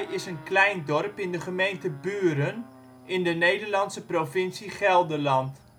is een klein dorp in de gemeente Buren, in de Nederlandse provincie Gelderland